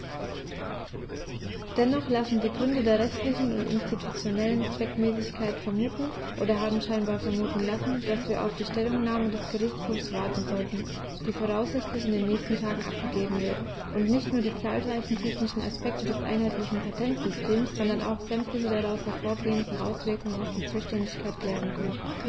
Dennoch lassen die Gründe der rechtlichen und institutionellen Zweckmäßigkeit vermuten, oder haben scheinbar vermuten lassen, dass wir auf die Stellungnahme des Gerichtshofs warten sollten, die voraussichtlich in den nächsten Tagen abgegeben wird und nicht nur die zahlreichen technischen Aspekte des einheitlichen Patentsystems, sondern auch sämtliche daraus hervorgehenden Auswirkungen auf die Zuständigkeit klären könnte.